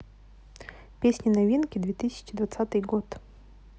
песни новинки две тысячи двадцатый год